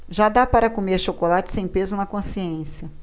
já dá para comer chocolate sem peso na consciência